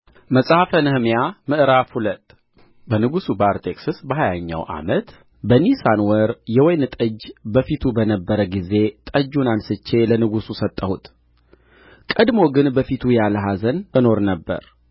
መጽሐፈ ነህምያ ምዕራፍ ሁለት በንጉሡ በአርጤክስስ በሀያኛው ዓመት በኒሳን ወር የወይን ጠጅ በፊቱ በነበረ ጊዜ ጠጁን አንሥቼ ለንጉሡ ሰጠሁት ቀድሞ ግን በፊቱ ያለ ኃዘን እኖር ነበር